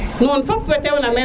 nuun fop we teew na men